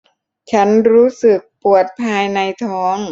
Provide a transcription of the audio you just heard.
ฉันรู้สึกปวดภายในท้อง